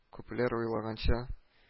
Күпләр уйлаганча